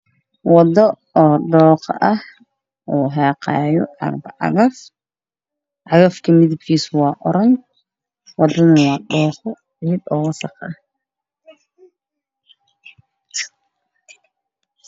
Waa wado dhiiqo ah oo uu xaaqaayo cagaf cagaf midabkiisu waa oranji, wadadana waa dhiiqo ama ciid wasaq ah.